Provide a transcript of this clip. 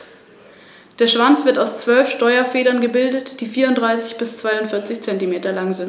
In seiner östlichen Hälfte mischte sich dieser Einfluss mit griechisch-hellenistischen und orientalischen Elementen.